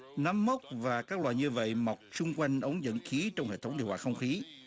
nấm mốc và các loại như vậy mọc xung quanh ống dẫn khí trong hệ thống điều hòa không khí